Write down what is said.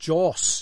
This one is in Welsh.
Jôs.